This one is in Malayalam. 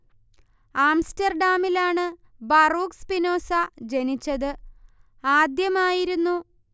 ആംസ്റ്റർഡാമിലാണ് ബറൂക്ക് സ്പിനോസ ജനിച്ചത് ആദ്യമായായിരുന്നു